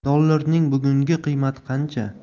dollar ning bugungi qiymati qancha